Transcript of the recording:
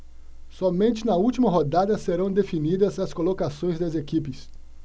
somente na última rodada serão definidas as colocações das equipes